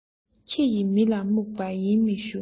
ཁྱི ཡིས མི ལ རྨྱུག པ ཡིན མི ཞུ